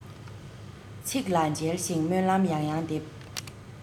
ཚིག ལ མཇལ ཞིང དོན ལ བསམ པ ཡིས